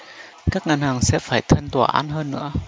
các ngân hàng sẽ phải thân tòa án hơn nữa